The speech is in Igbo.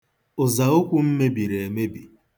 Ụza okwu m mebiri emebi.